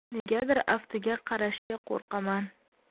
negadir aftiga qarashga qo'rqaman